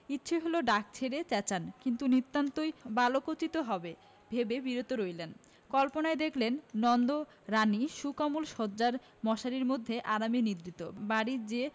ইচ্ছে হলো ডাক ছেড়ে চেঁচান কিন্তু নিতান্ত বালকোচিত হবে ভেবে বিরত রইলেন কল্পনায় দেখলেন নন্দরানী সুকোমল শয্যায় মশারির মধ্যে আরামে নিদ্রিত বাড়ির যে